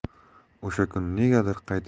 o'sha kuni negadir qaytadan